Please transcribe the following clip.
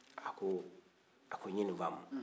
a ko n ye nin faamu